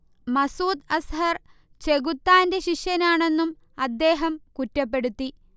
മസ്ഊദ് അസ്ഹർ ചെകുത്താന്റെ ശിഷ്യനാണെന്നും അദ്ദേഹം കുറ്റപ്പെടുത്തി